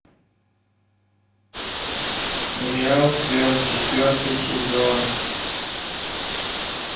сериал пес четвертый сезон